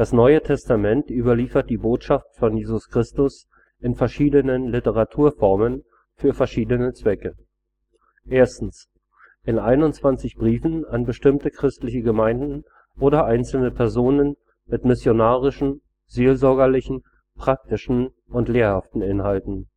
Neue Testament überliefert die Botschaft von Jesus Christus in verschiedenen Literaturformen für verschiedene Zwecke: in 21 Briefen an bestimmte christliche Gemeinden oder einzelne Personen mit missionarischen, seelsorgerlichen, praktischen und lehrhaften Inhalten